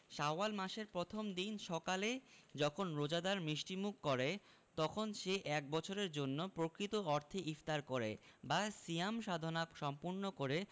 শাওয়াল মাসের প্রথম দিন সকালে যখন রোজাদার মিষ্টিমুখ করে তখন সে এক বছরের জন্য প্রকৃত অর্থে ইফতার করে বা সিয়াম সাধনা সম্পূর্ণ করে